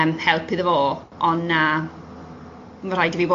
ymm help iddo fo.